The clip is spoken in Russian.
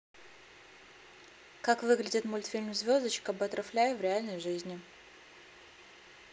как выглядит мультфильм звездочка баттерфляй в реальной жизни